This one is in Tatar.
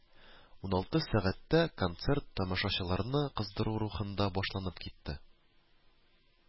Уналты сәгатьтә концерт тамашачыларны кыздыру рухында башланып китте